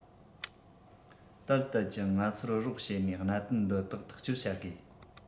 དལ དལ ཀྱང ང ཚོར རོགས བྱེད ནས གནད དོན འདི དག ཐག གཅོད བྱ དགོས